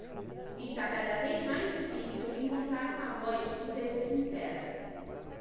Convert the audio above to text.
está cada vez mais difícil encontrar uma voz que seja sincera